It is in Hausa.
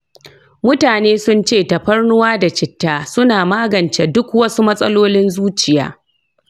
mutane sunce tafarnuwa da citta suna magance duk wasu matsalolin zuciya.